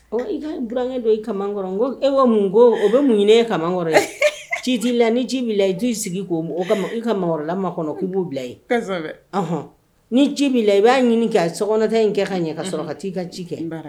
Ɔ i ka burankɛ don i ka kɔrɔ ko e' mun ko o bɛ munɲ kɔrɔ ye ji t'i la ni ji b'i i jii sigi' i ka mɔgɔla ma kɔnɔ k'i b'o bilaɔn ni ji b' la i b'a ɲini sokɔnɔɔnta in kɛ ka ɲɛka sɔrɔ ka' ii ka ji kɛ